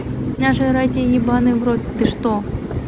наше радио ебаный в рот ты что